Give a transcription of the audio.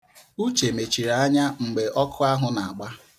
Uche mechiri anya mgbe ọkụ ahụ na-agba.